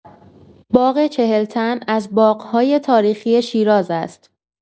باغ چهلتن از باغ‌های تاریخی شیراز است.